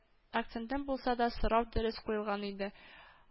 Акцентым булса да, сорау дөрес куелган иде